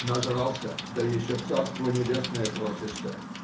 нажрался, да еще в царство небесное просишься.